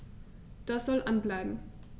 Das soll an bleiben.